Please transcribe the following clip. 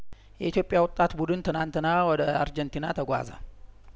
የኢትዮጵያ ወጣት ቡድን ትናንትና ወደ አርጀንቲና ተጓዘ